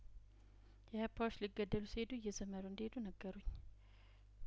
ኢህአፓዎች ሊገደሉ ሲሄዱ እየዘመሩ እንደሄዱ ነገሩኝ